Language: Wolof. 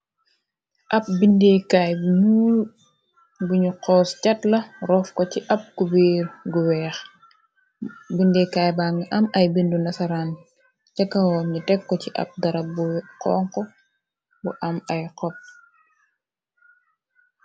ab bindeekaay bunuul bunu xoos jat la roof ko ci ab ku beer gu weex bindeekaay banga am ay bindu nasaraan jakawoon nu teg ko ci ab darab bu xonx bu am ay xob